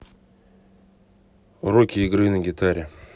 уроки игры на гитаре